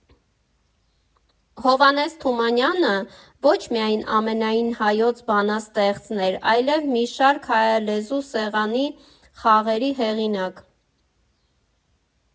Հովհաննես Թումանյանը ոչ միայն ամենայն հայոց բանաստեղծն էր, այլև մի շարք հայալեզու սեղանի խաղերի հեղինակ։